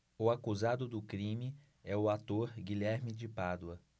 o acusado do crime é o ator guilherme de pádua